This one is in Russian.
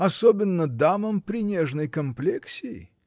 Особенно дамам при нежной комплексии.